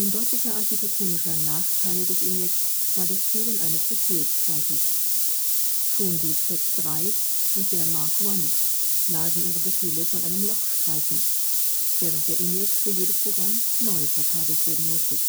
deutlicher architektonischer Nachteil des ENIAC war das Fehlen eines Befehlsspeichers. Schon die Z3 und der Mark I lasen ihre Befehle von einem Lochstreifen, während der ENIAC für jedes Programm neu verkabelt werden musste